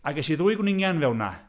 A ges i ddwy gwningen fewn 'na.